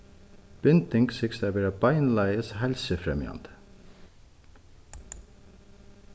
binding sigst at vera beinleiðis heilsufremjandi